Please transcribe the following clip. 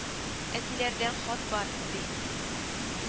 -әтиләрдән хат бар, ди